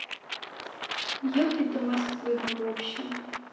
ехать до москвы ну вообщем